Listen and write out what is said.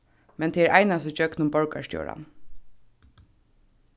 men tað er einans ígjøgnum borgarstjóran